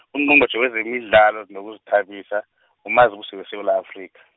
Ungqongqotjhe wezemidlalo nokuzithabisa, uMazibuse weSewula Afrika.